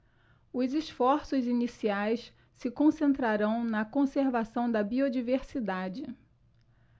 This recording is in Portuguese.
os esforços iniciais se concentrarão na conservação da biodiversidade